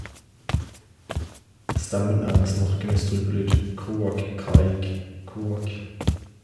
Stemmen er en snorkende strupelyd, kroak-kraik- kroak.